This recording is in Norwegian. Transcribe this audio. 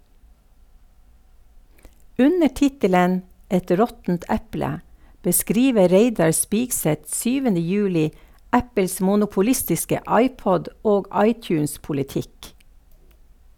Under tittelen "Et råttent eple" beskriver Reidar Spigseth 7. juli Apples monopolistiske iPod- og iTunes-politikk.